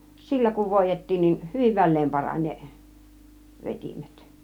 sillä kun voidettiin niin hyvin väleen parani ne vetimet